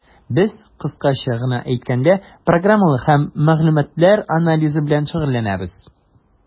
Без, кыскача гына әйткәндә, программалар һәм мәгълүматлар анализы белән шөгыльләнәбез.